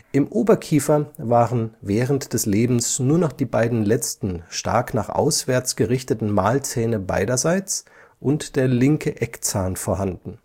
Im Oberkiefer waren während des Lebens nur noch die beiden letzten stark nach auswärts gerichteten Mahlzähne beiderseits und der linke Eckzahn vorhanden